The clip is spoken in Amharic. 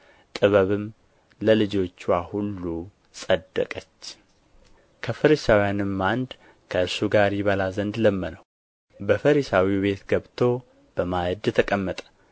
ጥበብም ለልጆችዋ ሁሉ ጸደቀች ከፈሪሳውያንም አንድ ከእርሱ ጋር ይበላ ዘንድ ለመነው በፈሪሳዊው ቤትም ገብቶ በማዕድ ተቀመጠ